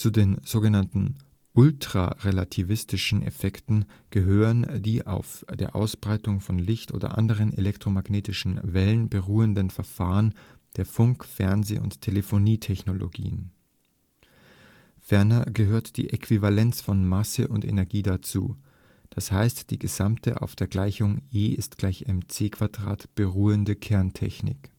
den sog. „ ultrarelativistischen Effekten “gehören die auf der Ausbreitung von Licht oder anderen elektromagnetischen Wellen beruhenden Verfahren der Funk -, Fernseh - und Telephonie-Technologien. Ferner gehört die Äquivalenz von Masse und Energie dazu, d.h. die gesamte auf der Gleichung E = mc2 beruhende Kerntechnik